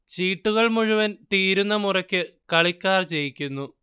ചീട്ടുകൾ മുഴുവൻ തീരുന്ന മുറയ്ക്ക് കളിക്കാർ ജയിക്കുന്നു